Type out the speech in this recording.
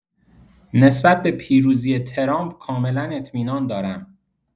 نسبت به پیروزی ترامپ کاملا اطمینان دارم.